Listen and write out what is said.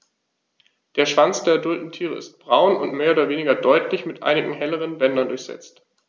Der Schwanz der adulten Tiere ist braun und mehr oder weniger deutlich mit einigen helleren Bändern durchsetzt.